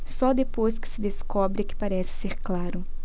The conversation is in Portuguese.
só depois que se descobre é que parece ser claro